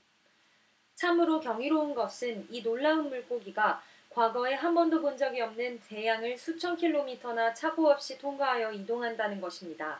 참으로 경이로운 것은 이 놀라운 물고기가 과거에 한 번도 본 적이 없는 대양을 수천 킬로미터나 착오 없이 통과하여 이동한다는 것입니다